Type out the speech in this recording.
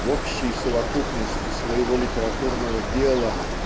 в общей совокупности своего литературного дела